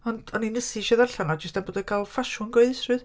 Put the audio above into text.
Ond o'n i'n ysu eisiau ei ddarllen o jyst am bod o wedi cael ffasiwn gyhoeddusrwydd.